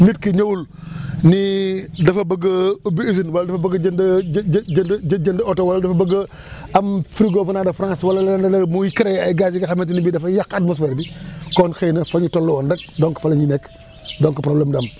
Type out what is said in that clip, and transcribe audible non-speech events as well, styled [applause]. nit ki ñëwul [breath] ni dafa bëgg a ubbi usine wala dafa bëgg a jënd jë jë jënd jënd oto wala dafa bëgg a [breath] am frigo venant de France wala leneen ak leneen muy créer ay gaz yi nga xamante ni bii dafay yàq atmosphère bi [breath] kon xëy na fa ñu tolluwoon rek donc fa la ñuy nekk donc problème du am